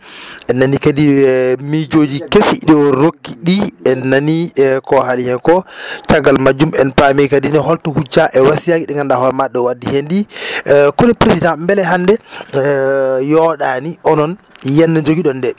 en nanii kadi mijooji kesi ɗi o rokki ɗii en nanii e ko o haali heen koo caggal majjum en paami kadi ne holto huccaa e wasiyaaji ɗii nganduɗaa hoore ma ɗii o waddi heen ɗi monsieur le président mbele hannde yooɗaani onon yiyande jogi ɗon nde